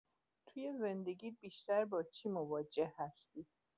توی زندگیت بیشتر با چی مواجه هستی؟